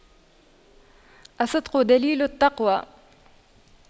الصدق دليل التقوى